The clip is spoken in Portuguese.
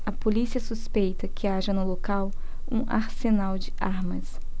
a polícia suspeita que haja no local um arsenal de armas